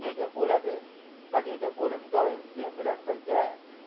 nega o'ladi va nega o'lim doim sen bilan birga